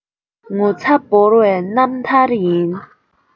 ངོ ཚ བོར བའི རྣམ ཐར ཡིན